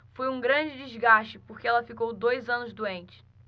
foi um grande desgaste porque ela ficou dois anos doente